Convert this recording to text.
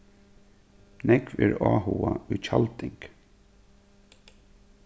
nógv eru áhugað í tjalding